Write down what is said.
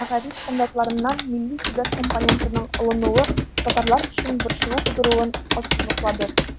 Мәгариф стандартларыннан милли-төбәк компонентының алынуы татарлар өчен борчылу тудыруын ассызыклады.